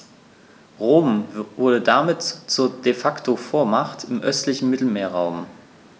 Rom wurde damit zur ‚De-Facto-Vormacht‘ im östlichen Mittelmeerraum.